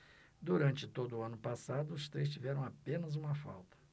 durante todo o ano passado os três tiveram apenas uma falta